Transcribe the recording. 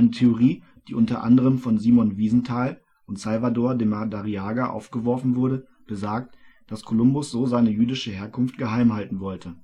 Theorie, die unter anderem von Simon Wiesenthal und Salvador de Madariaga aufgeworfen wurde, besagt, dass Kolumbus so seine jüdische Herkunft geheim halten wollte